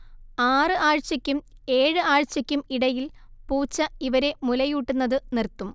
ആറ് ആഴ്ചയ്ക്കും ഏഴ് ആഴ്ചയ്ക്കും ഇടയിൽ പൂച്ച ഇവരെ മുലയൂട്ടുന്നത് നിർത്തും